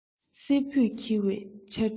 བསེར བུས འཁྱེར བའི ཆར སྤྲིན